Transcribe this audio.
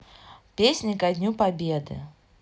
песни ко дню победы